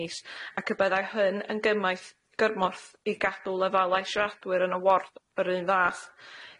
is ac y byddai hyn yn gymaint gyrmorth i gadw lefelau siaradwyr yn y ward yr un fath.